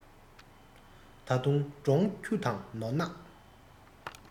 ད དུང འབྲོང ཁྱུ དང ནོར གནག